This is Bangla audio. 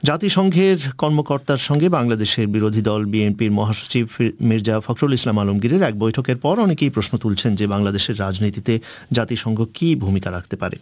জাতিসংঘের কর্মকর্তার সঙ্গে বাংলাদেশের বিরোধীদলীয় বি এন পির মহাসচিব মির্জা ফখরুল ইসলাম আলমগীরের এক বৈঠকের পর অনেকেই প্রশ্ন তুলছেন যে বাংলাদেশের রাজনীতিতে জাতিসংঘ কি ভূমিকা রাখতে পারে